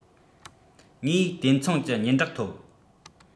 ངས དེ མཚུངས ཀྱི སྙན གྲགས ཐོབ